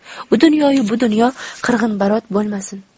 u dunyoyu bu dunyo qirg'inbarot bo'lmasin